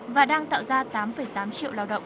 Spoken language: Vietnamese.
và đang tạo ra tám phẩy tám triệu lao động